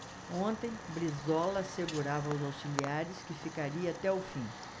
ontem brizola assegurava aos auxiliares que ficaria até o fim